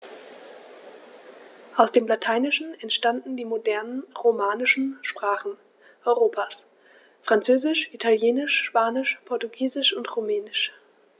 Aus dem Lateinischen entstanden die modernen „romanischen“ Sprachen Europas: Französisch, Italienisch, Spanisch, Portugiesisch und Rumänisch.